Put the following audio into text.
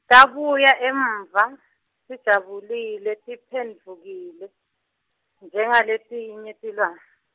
Tabuyela emuva tijabulile tibhedvukile njengaletinye tilwane.